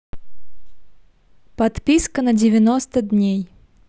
подписка на девяносто дней